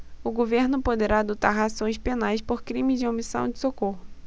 o governo poderá adotar ações penais por crime de omissão de socorro